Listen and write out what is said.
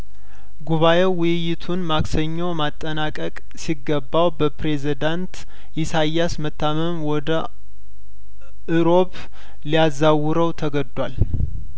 ጉባኤው ውይይቱን ማክሰኞ ማጠናቀቅ ሲገባው በፕሬዝዳንት ኢሳያስ መታመም ወደ እሮብ ሊያዛውረው ተገዷል